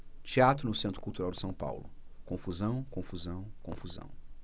teatro no centro cultural são paulo confusão confusão confusão